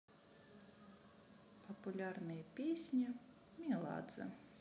популярные песни меладзе